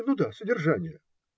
- Ну да, содержания.